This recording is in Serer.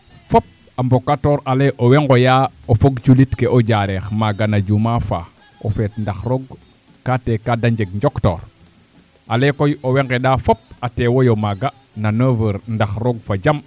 fop a mbokatoor a lay owey nqoyaa o fog culiit ke o Diarekh maaga na juuma fa o feet ndax roog kaate kade njeg njoktoor ale koy owey nqeɗa fop a tewooyo maaga na neuve heure ndax roog fa jam